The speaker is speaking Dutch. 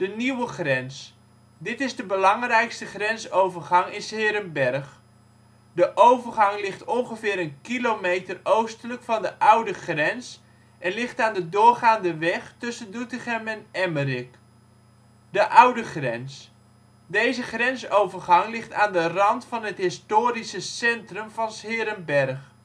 Nieuwe Grens. Dit is de belangrijkste grensovergang in ' s-Heerenberg. De overgang ligt ongeveer een kilometer oostelijk van de oude grens, en ligt aan de doorgaande weg tussen Doetinchem en Emmerik. De Oude Grens. Deze grensovergang ligt aan de rand van het historische centrum van ' s-Heerenberg